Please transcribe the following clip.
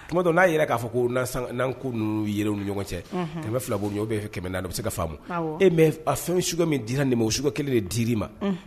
Tuma dɔn n'a yɛrɛ jira k'a fɔ ko' ko n ninnu ye ni ɲɔgɔn cɛ kɛmɛ bɛ fila bɔ bɛ fɛ kɛmɛ na u bɛ se ka faamu e fɛn sokɛ min dira nin ma o sokɛka kelen de dir' ma